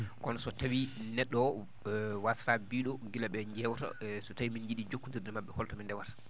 kono so tawii ne??o o waasataa mbi?o giila ?e yewta so tawi min nji?i jokkonndirde maɓ?e holto?e ndewata